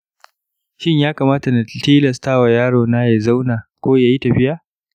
shin ya kamata na tilasta wa yarona ya zauna ko ya yi tafiya?